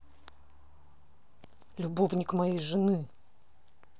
любовник моей жены